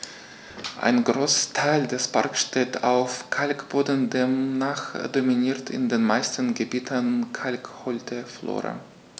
Ein Großteil des Parks steht auf Kalkboden, demnach dominiert in den meisten Gebieten kalkholde Flora.